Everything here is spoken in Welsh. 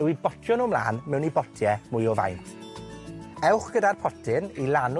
yw i botio nw mlan mewn i botie mwy o faint. Ewch gyda'r potyn i lanw